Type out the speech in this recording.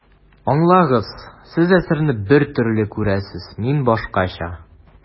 Аңлагыз, Сез әсәрне бер төрле күрәсез, мин башкача.